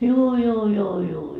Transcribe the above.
juu juu juu juu